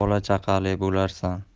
bola chaqali bo'larsan